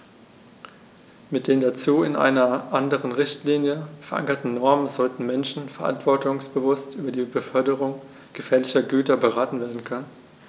Mit den dazu in einer anderen Richtlinie, verankerten Normen sollten Menschen verantwortungsbewusst über die Beförderung gefährlicher Güter beraten werden können.